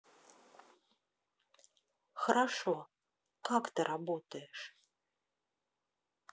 хорошо как ты работаешь